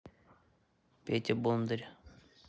петя бондарь